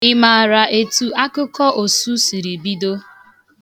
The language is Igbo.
Ị maara etu akụkọ osu siri bido?